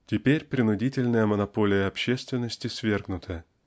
Теперь принудительная монополия общественности свергнута.